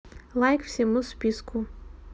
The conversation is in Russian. лайк всему списку